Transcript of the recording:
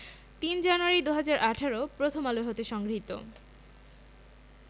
০৩ January ২০১৮ Prothom Alo হতে সংগৃহীত